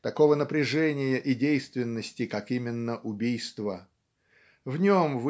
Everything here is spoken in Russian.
такого напряжения и действенности как именно убийство. В нем